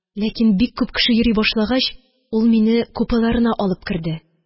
Ләкин бик күп кеше йөри башлагач, ул мине купеларына алып керде.